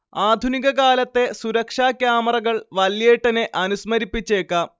ആധുനികകാലത്തെ സുരക്ഷാ ക്യാമറകൾ വല്യേട്ടനെ അനുസ്മരിപ്പിച്ചേക്കാം